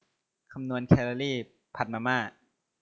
คำนวณแคลอรี่ผัดมาม่า